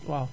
waaw